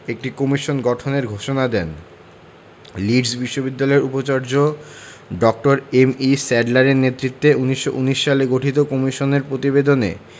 একটি কমিশন গঠনের ঘোষণা দেন লিড্স বিশ্ববিদ্যালয়ের উপাচার্য ড. এম.ই স্যাডলারের নেতৃত্বে ১৯১৯ সালে গঠিত কমিশনের প্রতিবেদনে